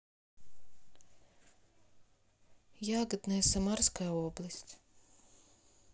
ягодное самарская область